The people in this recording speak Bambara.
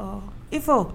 Ɔɔ i fo